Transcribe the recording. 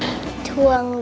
thường